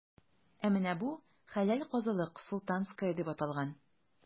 Ә менә бу – хәләл казылык,“Султанская” дип аталган.